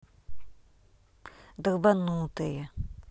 долбанутые